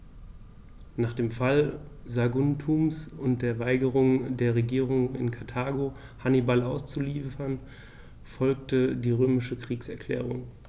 Nach dem Fall Saguntums und der Weigerung der Regierung in Karthago, Hannibal auszuliefern, folgte die römische Kriegserklärung.